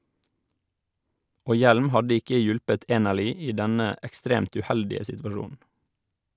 Og hjelm hadde ikke hjulpet Enerly i denne ekstremt uheldige situasjonen.